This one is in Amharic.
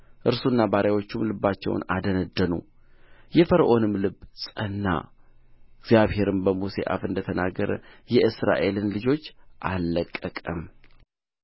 እርሱና ባሪያዎቹም ልባቸውን አደነደኑ የፈርዖንም ልብ ጸና እግዚአብሔርም በሙሴ አፍ እንደተናገር የእስራኤልን ልጆች አልለቀቀም